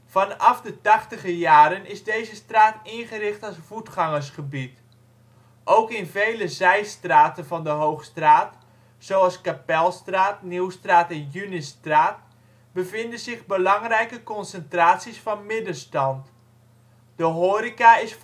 Vanaf de tachtiger jaren is deze straat ingericht als voetgangersgebied. Ook in vele zijstraten van de Hoogstraat, zoals Kapelstraat, Nieuwstraat en Junusstraat, bevinden zich belangrijke concentraties van middenstand. De horeca is voornamelijk